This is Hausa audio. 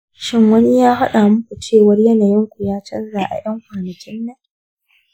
shin wani ya faɗa muku cewa yanayin ku ya canja a ƴan kwanakin nan?